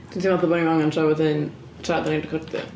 Dwi'n teimlo fatha bod ni'm angen trafod hyn tra dan ni'n recordio.